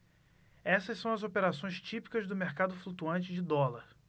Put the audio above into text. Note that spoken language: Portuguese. essas são as operações típicas do mercado flutuante de dólar